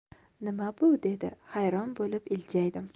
nima bu dedi hayron bo'lib iljaydim